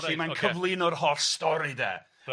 Felly mae'n cyflwyno'r holl stori de,